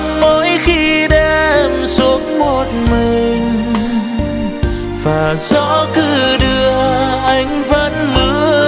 mỗi khi đêm xuống một mình và gió cứ đưa anh vẫn mưa